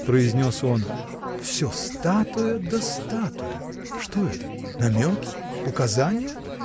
— произнес он, — всё статуя да статуя! Что это: намеки? указания?